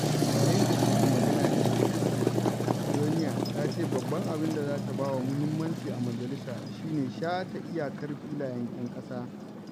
A yayin da take magana da BBC, Joenia ta ce babban abin da za ta ba wa muhimmanci a majalisa shi ne shata iyakar filayen 'yan ƙasa: